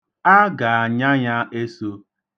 A ga-anya ya eso.